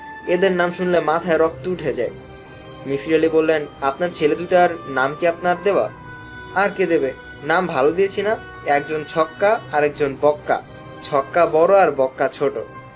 এদের নাম শুনলে মাথায় রক্ত উঠে যায় মিসির আলি বললেন আপনার ছেলে দুইটার নাম কি আপনার দেয়া আর কে দেবে নাম ভালো দিয়েছি না একজন ছক্কা আরেকজন বক্কা ছক্কা বড় আর বক্কা ছোট